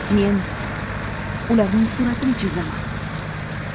men ularning suratini chizaman